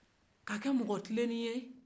ka kɛ mɔgɔ tile ni ye